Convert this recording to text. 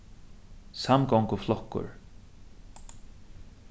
samgonguflokkur